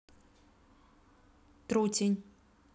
трутень